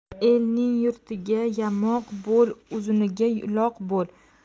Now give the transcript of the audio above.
elning yirtig'iga yamoq bo'l uzuniga uloq bo'l